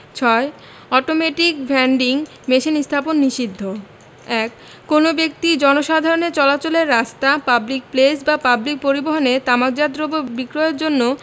৬ automatic vending machine স্থাপন নিষিদ্ধঃ ১ কোন ব্যক্তি জনসাধারণের চলাচলের রাস্তা পাবলিক প্লেস বা পাবলিক পরিবহণে তামাকজাত দ্রব্য বিক্রয়ের জন্য